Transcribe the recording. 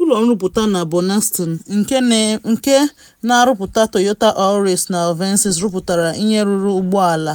Ụlọ nrụpụta nke Burnaston - bụ nke na-arụpụta Toyota Auris na Avensis - rụpụtara ihe ruru ụgbọ ala